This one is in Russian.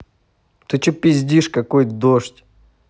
ты че пиздишь какой дождь